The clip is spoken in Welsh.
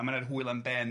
....a ma'na hwyl am ben